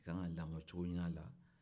e ka kan k'a lamɔcogo ɲinin yen